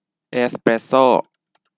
เอสเปสโซ่